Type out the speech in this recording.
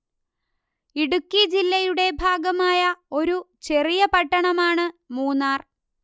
ഇടുക്കി ജില്ലയുടെ ഭാഗമായ ഒരു ചെറിയ പട്ടണമാണ് മൂന്നാർ